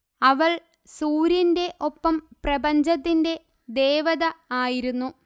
അവൾ സൂര്യന്റെ ഒപ്പം പ്രപഞ്ചത്തിന്റെ ദേവത ആയിരുന്നു